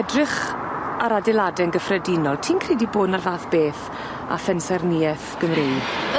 Edrych ar adeilade'n gyffredinol, ti'n credu bo' 'na fath beth â phensaernieth Gymreig?